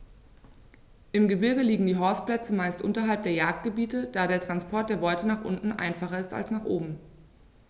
Im Gebirge liegen die Horstplätze meist unterhalb der Jagdgebiete, da der Transport der Beute nach unten einfacher ist als nach oben.